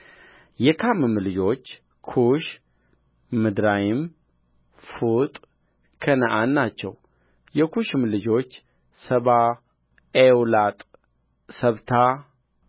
የካምም ልጆች ኩሽ ምድራይም ፉጥ ከነዓን ናቸው የኩሽም ልጆች ሳባ ኤውላጥ ሰብታ